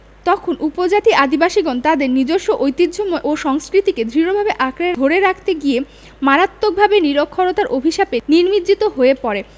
তখন উপজাতি আদিবাসীগণ তাদের নিজস্ব ঐতিহ্যময় ও সংস্কৃতিকে দৃঢ়ভাবে আঁকড়ে ধরে রাখতে গিয়ে মারাত্মকভাবে নিরক্ষরতার অভিশাপে নির্মিজ্জিত হয়ে পড়ে